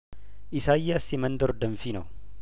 ኢሳይያስ የመንደር ደንፊ ነው